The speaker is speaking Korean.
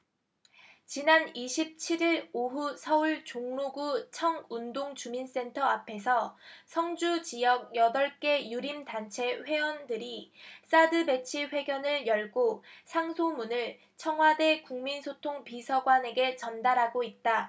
지난 이십 칠 일 오후 서울 종로구 청운동주민센터 앞에서 성주지역 여덟 개 유림단체 회원들이 사드배치 회견을 열고 상소문을 청와대 국민소통 비서관에게 전달하고 있다